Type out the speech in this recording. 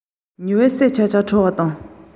གཅེན པོས ལྕེ ལེབ དམར པོ དེས